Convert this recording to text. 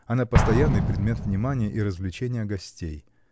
Она — постоянный предмет внимания и развлечения гостей.